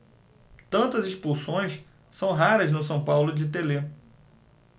tantas expulsões são raras no são paulo de telê